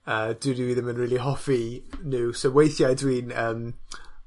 A dydw i ddim yn rili hoffi nhw so weithiau dwi'n yym